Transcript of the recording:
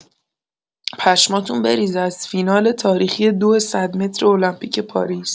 پشماتون بریزه از فینال تاریخی دو ۱۰۰ متر المپیک پاریس!